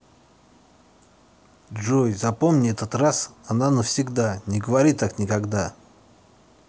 джой запомни этот раз она всегда не говори так никогда